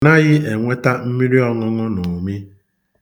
Anaghị enweta mmiri ọṅụṅụ n'ụmị.